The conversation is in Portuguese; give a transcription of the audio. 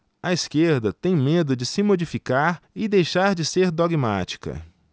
a esquerda tem medo de se modificar e deixar de ser dogmática